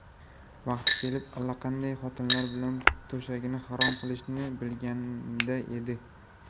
vaqti kelib allaqanday xotinlar bilan to'shagini harom qilishini bilganida edi